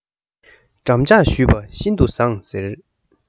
འགྲམ ལྕག གཞུས པ ཤིན དུ བཟང ཟེར